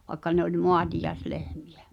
vaikka ne oli maatiaislehmiä